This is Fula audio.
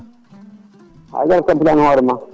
haydara tampinani hoore ma